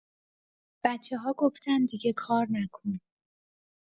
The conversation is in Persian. بچه‌ها گفتن دیگه کار نکن.